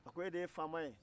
a ko e de ye faama ye